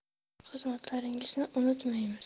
xizmatlaringizni unutmaymiz